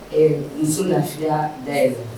Ɛɛ n z nafiya da ye